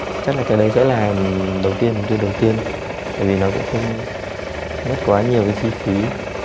chắc là cái đấy sẽ là đầu tiên mục tiêu đầu tiên tại vì nó cũng không mất quá nhiều cái chi phí